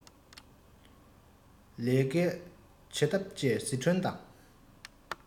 ལས ཀའི བྱེད ཐབས བཅས སི ཁྲོན དང